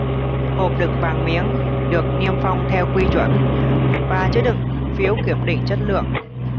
hộp đựng vàng miếng được niêm phong theo quy chuẩn và chứa đựng phiến kiểm định chất lượng